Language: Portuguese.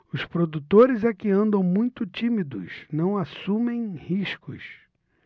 os produtores é que andam muito tímidos não assumem riscos